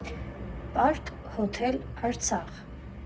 Պարկ Հոթել Արցախ։